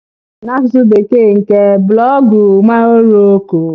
Ọ gbadoro ụkwụ kpọmkwem n'asụsụ bekee nke blọọgụ Morocco.